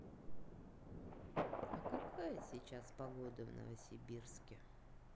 а какая сейчас погода в новосибирске